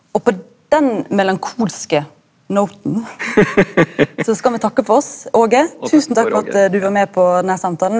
og på den melankolske noten så skal me takke for oss Aage, tusen takk for at du var med på den her samtalen.